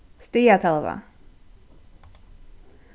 stigatalva